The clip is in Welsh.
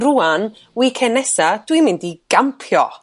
rŵan wicend nesa' dwi'n mynd i gampio